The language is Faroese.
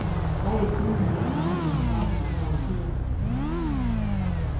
bæði kvinnuni og manninum dámar at spæla kurvabólt